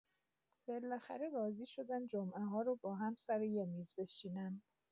بالاخره راضی شدن جمعه‌ها رو با هم‌سر یه میز بشینن.